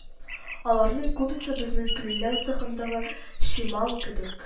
Аларның күбесе безнең көлләү цехындагы чимал кебек